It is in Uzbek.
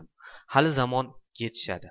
hali zamon yetishadi